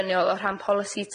o rhan polisi tai